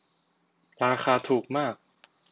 ราคาถูกมาก